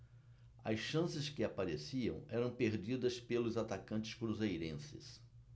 as chances que apareciam eram perdidas pelos atacantes cruzeirenses